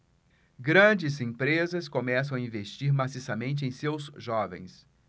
grandes empresas começam a investir maciçamente em seus jovens